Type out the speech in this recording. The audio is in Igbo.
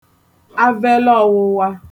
avele ọ̄wụ̄wā